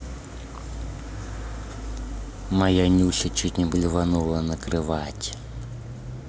моя нюся чуть не блеванула накрывать